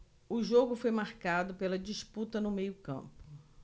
o jogo foi marcado pela disputa no meio campo